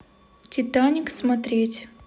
титаник смотреть